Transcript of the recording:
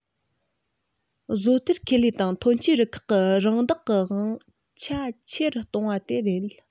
བཟོ གཏེར ཁེ ལས དང ཐོན སྐྱེད རུ ཁག གི རང བདག གི དབང ཆ ཆེ རུ གཏོང བ དེ རེད